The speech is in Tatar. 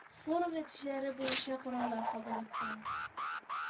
Форум нәтиҗәләре буенча карарлар кабул иткән